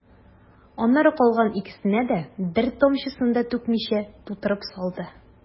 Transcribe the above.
Аннары калган икесенә дә, бер тамчысын да түкмичә, тутырып салды.